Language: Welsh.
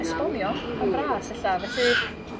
esbonio yn fras ella felly